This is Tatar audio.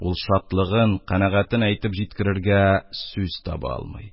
Ул шатлыгын, канәгатен әйтеп җиткерергә сүз таба алмый...